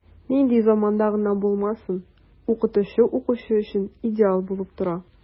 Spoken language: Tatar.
Нинди заманда гына булмасын, укытучы укучы өчен идеал булып тора.